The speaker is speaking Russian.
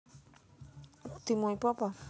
ты мой папа